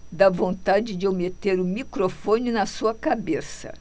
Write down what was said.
dá vontade de eu meter o microfone na sua cabeça